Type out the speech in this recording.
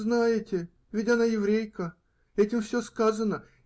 Знаете, ведь она еврейка, этим все сказано.